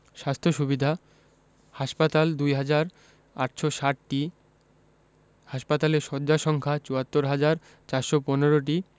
স্বাস্থ্য সুবিধাঃ হাসপাতাল ২হাজার ৮৬০টি হাসপাতালের শয্যা সংখ্যা ৭৪হাজার ৪১৫টি